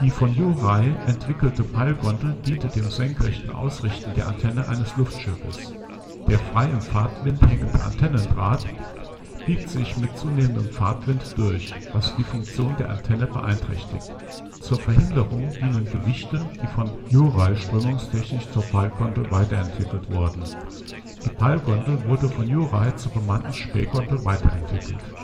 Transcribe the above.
von Juray entwickelte Peilgondel diente dem senkrechten Ausrichten der Antenne eines Luftschiffes. Der frei im Fahrtwind hängende Antennendraht biegt sich mit zunehmendem Fahrtwind durch, was die Funktion der Antenne beeinträchtigt. Zur Verhinderung dienten Gewichte, die von Juray strömungstechnisch zur Peilgondel weiterentwickelt wurden. Die Peilgondel wurde von Juray zur bemannten Spähgondel weiterentwickelt